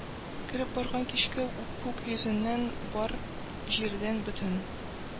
Кереп барган кичке күк йөзеннән, бар җирдән, бөтен